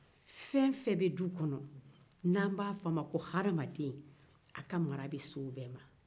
fɛn o fɛn bɛ du kɔnɔ n'an b'a fɔ a ma ko hadamaden a ka mara be se o bɛɛ ma